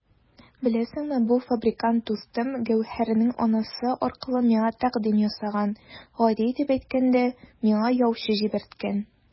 Беләсеңме, бу фабрикант дустым Гәүһәрнең анасы аркылы миңа тәкъдим ясаган, гади итеп әйткәндә, миңа яучы җибәрткән!